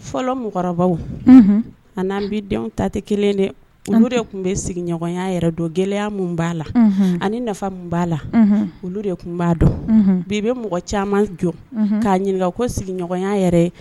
Fɔlɔ mɔgɔ kɔrɔbaw ani an bi denw ta tɛ kelen ye dɛ olu de tun bɛ sigiɲɔgɔnya yɛrɛ dɔn gɛlɛya min b'a la ani nafa min b'a la olu de tun b'a dɔn bi bɛ mɔgɔ caman jɔ k'a ɲininka ko sigiɲɔgɔnya yɛrɛ